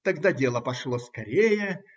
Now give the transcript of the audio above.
Тогда дело пошло скорее.